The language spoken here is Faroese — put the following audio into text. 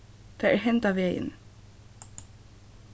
tað er handan vegin